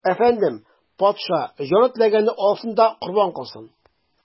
Әфәндем, патша, җаны теләгәнне алсын да корбан кылсын.